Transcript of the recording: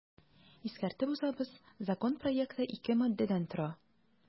Искәртеп узабыз, закон проекты ике маддәдән тора.